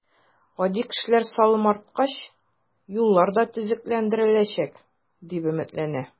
Гади кешеләр салым арткач, юллар да төзекләндереләчәк, дип өметләнә.